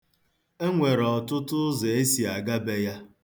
E nwere ọtụtụ ụzọ e si aga be ya.